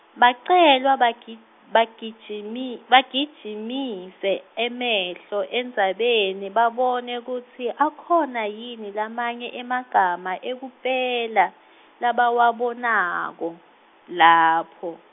bacelwa bagi- bagijimi- bagijimise emehlo endzabeni babone kutsi akhona yini lamanye emagama ekupela, labawabonako, lapho.